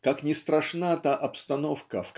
Как ни страшна та обстановка